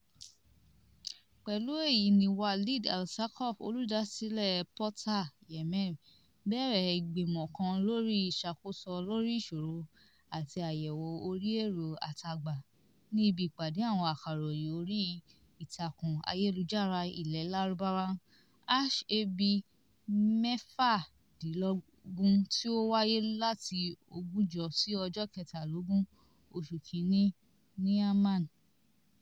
Pẹ̀lú èyí ni Walid Al-Saqaf, olùdásílẹ̀ Portal Yemen bẹ̀rẹ̀ ìgbìmọ̀ kan lórí ìṣàkóso lórí ìṣọ̀rọ̀ àti àyẹ̀wò orí ẹ̀rọ àtagba ní ibi ìpàdé àwọn akọ̀ròyìn orí ìtàkùn ayélujára ilẹ̀ Lárúbáwá #AB14 tí ó wáyé láti ogúnjọ́ sí ọjọ́ kẹtàlélógún oṣù kínní ní Amman.